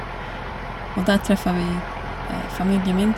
Og der traff vi familien min.